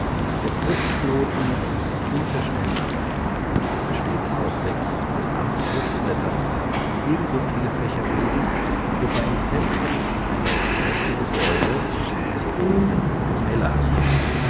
Der Fruchtknoten ist unterständig und besteht aus sechs (bis acht) Fruchtblättern, die ebenso viele Fächer bilden, wobei im Zentrum eine kräftige Säule (Columella) steht